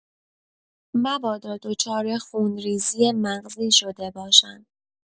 مبادا دچار خونرویزی مغزی شده باشم.